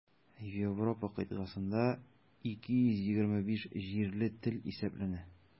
Европа кыйтгасында 225 җирле тел исәпләнә.